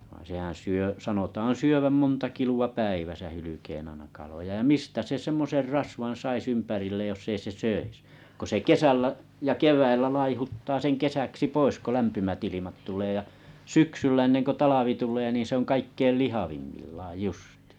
vaan sehän syö sanotaan syövän monta kiloa päivässä hylkeen aina kaloja ja mistä se semmoisen saisi ympärilleen jos ei se söisi kun se kesällä ja keväällä laihduttaa sen kesäksi pois kun lämpimät ilmat tulee ja syksyllä ennen kuin talvi tulee niin se on kaikkein lihavimmillaan justiin